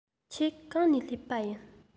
ཁྱེད གང ནས སླེབས པ ཡིན